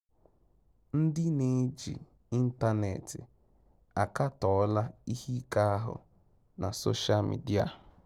Ndị na-eji ịntaneetị akatọọla ihe ike ahụ na sosha midịa: